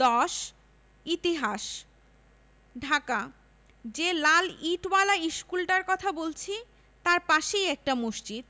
১০ ইতিহাস ঢাকা যে লাল ইটোয়ালা ইশকুলটার কথা বলছি তাই পাশেই একটা মসজিদ